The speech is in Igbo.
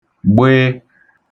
gbịị